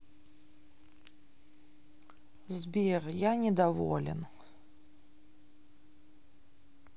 сбер я недоволен